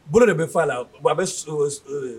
Bolo de bɛ fa a la a bɛ